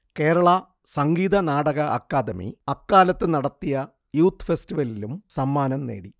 കേരള സംഗീതനാടക അക്കാദമി അക്കാലത്ത് നടത്തിയ യൂത്ത്ഫെസ്റ്റിവലിലും സമ്മാനംനേടി